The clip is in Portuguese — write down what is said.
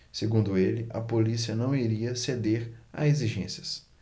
segundo ele a polícia não iria ceder a exigências